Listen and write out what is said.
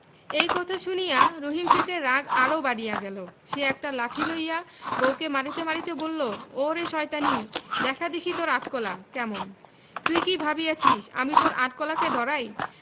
এই কথা শুনিয়া রহিম শেখের রাগ আরও বাড়িয়া গেল সে একটা লাঠি লইয়া বউকে মারিতে মারিতে বলল ওরে শয়তানী দেখা দেখি তোর আট কলা কেমন তুই কি ভাবিয়াছি আমি তোর আট কলাকে ডরাই